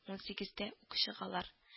-унсигездә үк чыгалар